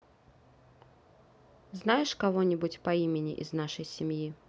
знаешь кого нибудь по имени из нашей семьи